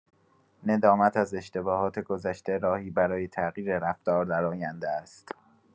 ندامت از اشتباهات گذشته راهی برای تغییر رفتار در آینده است.